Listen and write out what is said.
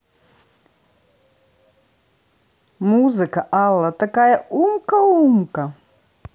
музыка алла такая умка умка